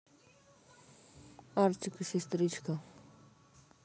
artik и сестричка